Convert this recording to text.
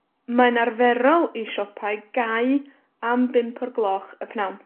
Mae'n arferol i siopau gau am bump o'r gloch y prynawn.